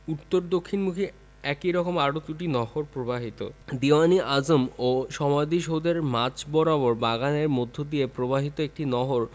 উত্তর দক্ষিণমুখী একই রকম আরও দুটি নহর প্রবাহিত দীউয়ান ই আম ও সমাধিসৌধের মাঝ বরাবর বাগানের মধ্যদিয়ে প্রবাহিত একটি নহর